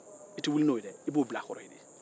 i tɛ wuli n'o ye dɛ i b'o bila a kɔrɔ yen